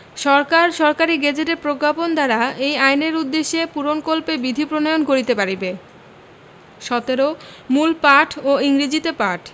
সরকার সরকারী গেজেটে প্রজ্ঞাপন দ্বারা এই আইনের উদ্দেশ্য পূরণকল্পে বিধি প্রণয়ন করিতে পারিবে ১৭ মূল পাঠ এবং ইংরেজীতে পাঠ